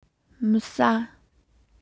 མི ཟ